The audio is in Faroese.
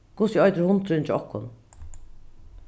hvussu eitur hundurin hjá okkum